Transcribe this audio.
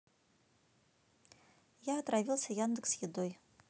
я отравился яндекс едой